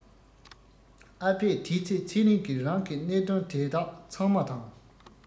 ཨ ཕས དེའི ཚེ ཚེ རིང གི རང གི གནད དོན དེ དག ཚང མ དང